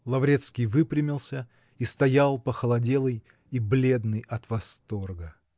Лаврецкий выпрямился и стоял, похолоделый и бледный от восторга.